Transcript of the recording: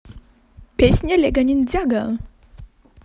песня лего ниндзяго